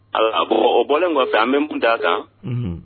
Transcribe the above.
A bɔn o bɔralen kɔfɛ fɛ an bɛ kunta kan